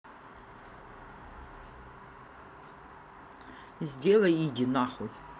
сделай иди нахуй